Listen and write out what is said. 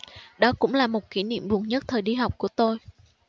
đó cũng là một kỷ niệm buồn nhất thời đi học của tôi